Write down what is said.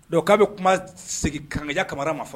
Don k'a bɛ kuma seg kanja kamara ma fɔ